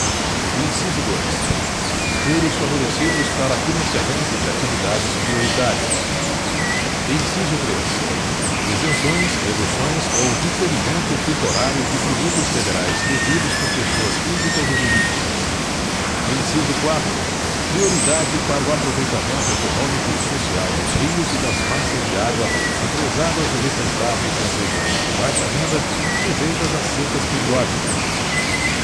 inciso dois juros favorecidos para financiamento de atividades prioritárias inciso três isenções reduções ou diferimento temporário de tributos federais devidos por pessoas físicas ou jurídicas inciso quatro prioridade para o aproveitamento econômico e social dos rios e das massas de água represadas ou represáveis nas regiões de baixa renda sujeitas a secas periódicas